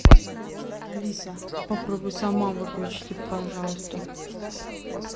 алиса попробуй сама выключите пожалуйста